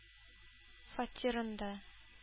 Фатирында